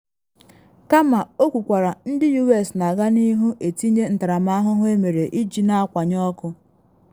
Kama, o kwukwara, ndị U.S. na aga n’ihu etinye ntaramahụhụ emere iji na akwanye ọkụ.